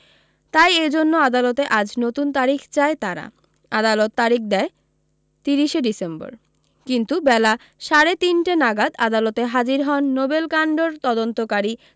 তাই এ জন্য আদালতে আজ নতুন তারিখ চায় তারা আদালত তারিখ দেয় তিরিশে ডিসেম্বর কিন্তু বেলা সাড়ে তিনটে নাগাদ আদালতে হাজির হন নোবেল কাণ্ডর তদন্তকারী